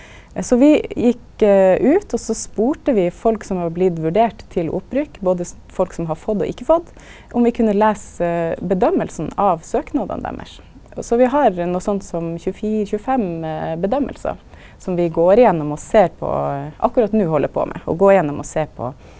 så vi gjekk ut og så spurde vi folk som var blitt vurderte til opprykk, både folk som har fått og ikkje fått, om vi kunne lese vurderinga av søknadane deira, og så vi har noko sånt som 25 vurderingar som vi går igjennom og ser på akkurat no held eg på med å gå igjennom og sjå på.